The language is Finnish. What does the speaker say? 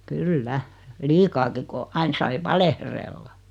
kyllä liikaakin kun aina sai valehdella